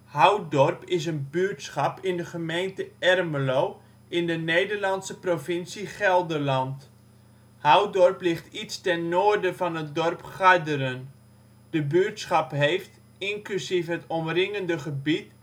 Houtdorp is een buurtschap in de gemeente Ermelo, in de Nederlandse provincie Gelderland. Houtdorp ligt iets ten noorden van het dorp Garderen. De buurtschap heeft, inclusief het omringende gebied